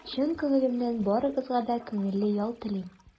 Чын күңелемнән барыгызга да күңелле ял телим!